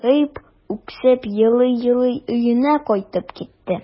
Рәкыйп үксеп елый-елый өенә кайтып китте.